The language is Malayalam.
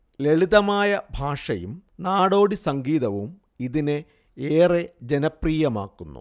ലളിതമായ ഭാഷയും നാടോടി സംഗീതവും ഇതിനെ ഏറെ ജനപ്രിയമാക്കുന്നു